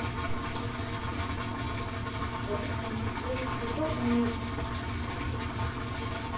восстановить цвет цветов нет